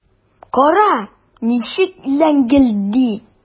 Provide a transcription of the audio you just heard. Кара, ничек ләңгелди!